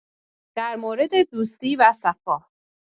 در مورد دوستی و صفا